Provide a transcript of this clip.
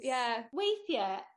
...ie. Weithie